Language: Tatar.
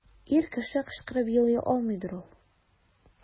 Ир кеше кычкырып елый алмыйдыр ул.